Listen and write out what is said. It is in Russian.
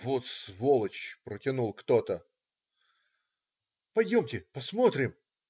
" "Вот сволочь!" - протянул кто-то. "Пойдемте посмотрим".